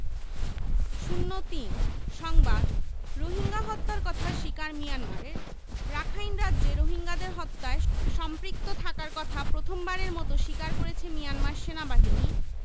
০৩ সংবাদ রোহিঙ্গা হত্যার কথা স্বীকার মিয়ানমারের রাখাইন রাজ্যে রোহিঙ্গাদের হত্যায় সম্পৃক্ত থাকার কথা প্রথমবারের মতো স্বীকার করেছে মিয়ানমার সেনাবাহিনী